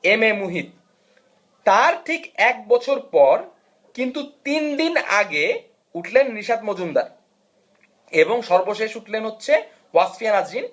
M A Muhit তার ঠিক এক বছর পর কিন্তু তিন দিন আগে উঠলেন নিশাত মজুমদার এবং সর্বশেষ উঠলেন হচ্ছে ওয়াসফিয়া নাজরীন